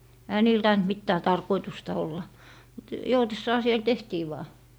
eihän niillä tainnut mitään tarkoitusta olla mutta joutessaan siellä tehtiin vain